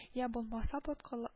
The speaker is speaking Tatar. Йә булмаса боткала